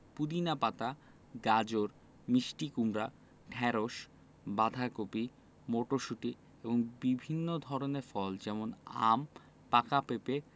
পুদিনা পাতা গাজর মিষ্টি কুমড়া ঢেঁড়স বাঁধাকপি মটরশুঁটি এবং বিভিন্ন ধরনের ফল যেমন আম পাকা পেঁপে